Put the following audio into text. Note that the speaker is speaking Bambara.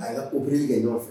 A ubili sigi ka ɲɔgɔn fɛ